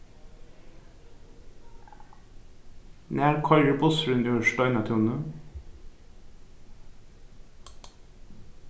nær koyrir bussurin úr steinatúni